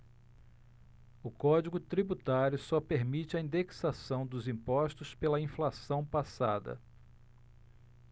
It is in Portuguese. o código tributário só permite a indexação dos impostos pela inflação passada